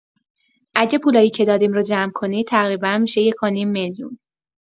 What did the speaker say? اگه پولایی که دادیم رو جمع کنی، تقریبا می‌شه یک و نیم میلیون.